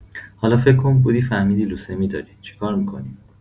حالا فکر کن بودی فهمیدی لوسمی داری، چی کار می‌کنی؟